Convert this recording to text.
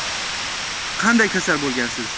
qanday kasal bo'lgansiz